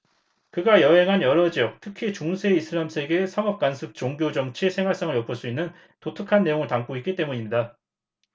그가 여행한 여러 지역 특히 중세 이슬람 세계의 상업 관습 종교 정치 생활상을 엿볼 수 있는 독특한 내용을 담고 있기 때문입니다